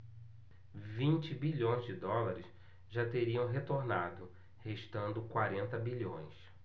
vinte bilhões de dólares já teriam retornado restando quarenta bilhões